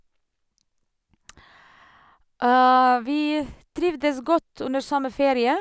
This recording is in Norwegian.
Vi trivdes godt under sommerferie.